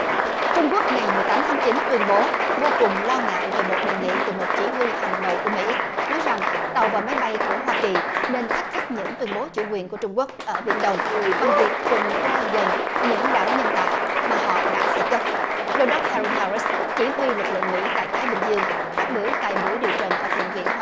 trung quốc ngày mười tám tháng chín tuyên bố vô cùng lo ngại về một đề nghị từ một chỉ huy hàng đầu của mỹ nói rằng tàu và máy bay của hoa kỳ nên thách thức những tuyên bố chủ quyền của trung quốc ở biển đông bằng việc tuần tra gần những đảo nhân tạo mà họ đã xẻ cực đô đốc ha ri ha rít chỉ huy lực lượng mỹ tại thái bình dương phát biểu tại buổi điều trần ở thượng viện hoa